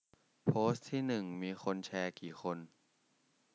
โพสต์ที่หนึ่งมีคนแชร์กี่คน